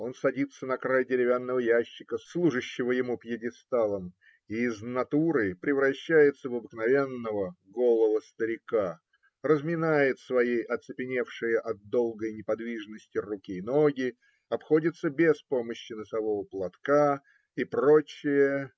он садится на край деревянного ящика, служащего ему пьедесталом, и из "натуры" превращается в обыкновенного голого старика, разминает свои оцепеневшие от долгой неподвижности руки и ноги, обходится без помощи носового платка и прочее.